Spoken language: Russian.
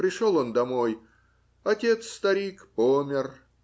Пришел он домой - отец старик помер